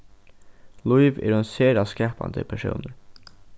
lív er ein sera skapandi persónur